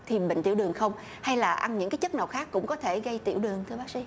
thì bị bệnh tiểu đường không hay là ăn những cái chất nào khác cũng có thể gây tiểu đường thưa bác sỹ